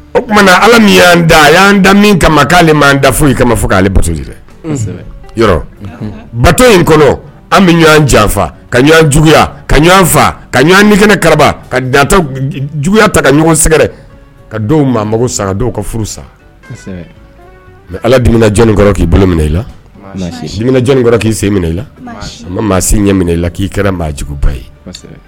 O tumaumana ala min y'an da a y'an da min kama k'ale ma da fo kama fɔ k'aleto dɛ bato in kɔnɔ an bɛ ɲɔgɔn janfa ka ɲɔgɔn juguya ka ɲɔgɔnfa ka ɲɔgɔn nikɛnɛ kara ka juguya ta ka ɲɔgɔn sɛgɛrɛ ka maa sa ka furu sa ala dunmina jɔnnikɔrɔ k'i bolo minɛ i laminanikɔrɔ k'i sen minɛ ila an ma maa si ɲɛ minɛ i k'i kɛra maajuguba ye